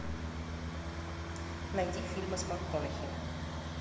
найди фильмы с макконахи